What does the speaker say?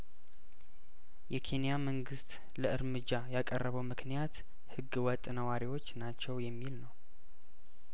የኬንያ መንግስት ለእርምጃ ያቀረበው ምክንያት ህግ ወጥ ነዋሪዎች ናቸው የሚል ነው